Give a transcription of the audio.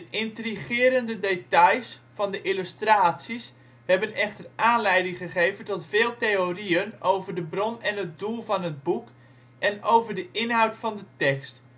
intrigerende details van de illustraties hebben echter aanleiding gegeven tot veel theorieën over de bron en het doel van het boek en over de inhoud van de tekst